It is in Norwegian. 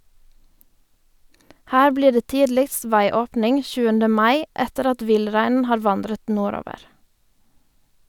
Her blir det tidligst veiåpning 20. mai etter at villreinen har vandret nordover.